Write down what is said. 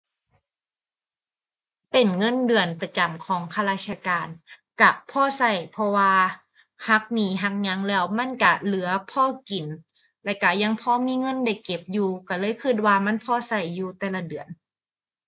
เป็นเงินเดือนประจำของข้าราชการก็พอก็ เพราะว่าหักหนี้หักหยังแล้วมันก็เหลือพอกิน แล้วก็ยังพอมีเงินได้เก็บอยู่ ก็เลยก็ว่ามันพอก็อยู่แต่ละเดือน